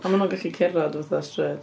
A maen nhw'n gallu cerddad fatha strêt.